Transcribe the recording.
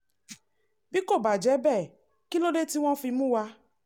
Bí kò bá jẹ́ bẹ́ẹ̀, kílódé tí wọ́n fi mú wa?